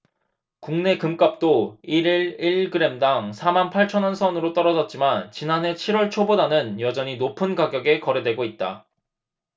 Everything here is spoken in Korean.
국내 금값도 일 일 일 그램당 사 만 팔천 원 선으로 떨어졌지만 지난해 칠 월 초보다는 여전히 높은 가격에 거래되고 있다